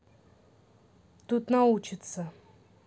тут научиться